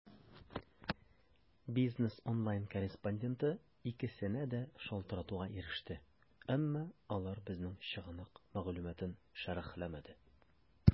"бизнес online" корреспонденты икесенә дә шалтыратуга иреште, әмма алар безнең чыганак мәгълүматын шәрехләмәде.